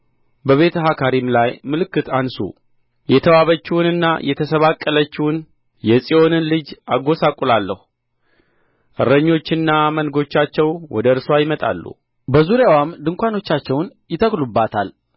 በቤትሐካሪም ላይ ምልክት አንሡ የተዋበችውንና የተሰባቀለችውን የጽዮንን ልጅ አጐሰቍላለሁ እረኞችና መንጐቻቸው ወደ እርስዋ ይመጣሉ በዙሪያዋም ድንኳኖቻቸውን ይተክሉባታል